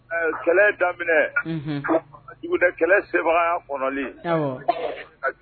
Ɛɛ Kɛlɛ daminɛ ma dugu dɛ. kɛlɛ sebaaya kɔnɔli